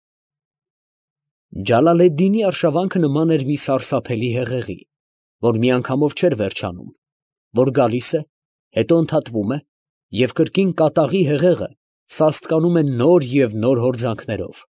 Ջալալեդդինի արշավանքը նման էր մի սարսափելի հեղեղի, որ միանգամով չէր վերջանում, որ գալիս է, հետո ընդհատվում է, և կրկին կատաղի հեղեղը սաստկանում է նոր և նոր հորձանքներով։